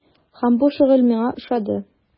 Һәм бу шөгыль миңа ошады.